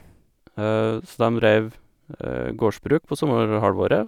Så dem dreiv gårdsbruk på sommerhalvåret.